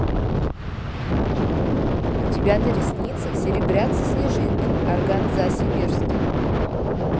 у тебя на ресницах серебрятся снежинки органза сибирский